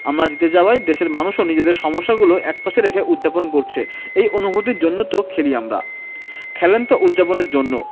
আমরা জিতে যাওয়ায় দেশের মানুষও নিজেদের সমস্যাগুলো একপাশে রেখে উদ্ যাপন করছে এই অনুভূতির জন্য তো খেলি আমরা খেলেন তো উদ্ যাপনের জন্যও